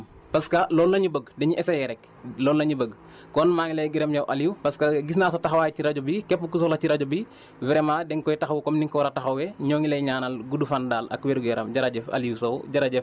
te bu soobee yàlla bu ñu yàlla mayee li ñu bëgg dinañ ko am parce que loolu la ñu bëgg dañuy essayer rek loolu la ñu bëgg kon maa ngi lay gërëm yow Aliou parce que gis naa sa taxawaay ci rajo bi képp ku soxla ci rajo bi vraiment da nga koy taxawu comme ni nga ko war a taxawee